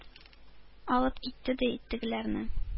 Алып китте, ди, тегеләрне.